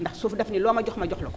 ndax suuf daf ni loo ma jox ma jox la ko